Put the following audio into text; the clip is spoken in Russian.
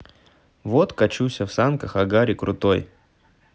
вот качуся в санках агари крутой